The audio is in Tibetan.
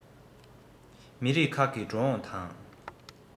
མི རིགས ཁག གི འགྲོ འོང དང